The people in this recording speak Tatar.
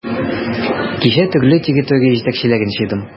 Кичә төрле территория җитәкчеләрен җыйдым.